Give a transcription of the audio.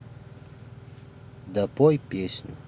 да пой песню